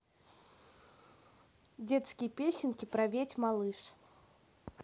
детские песенки про ведь малыш